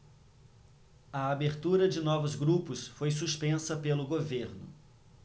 a abertura de novos grupos foi suspensa pelo governo